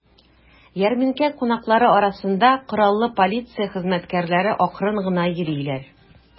Ярминкә кунаклары арасында кораллы полиция хезмәткәрләре акрын гына йөриләр.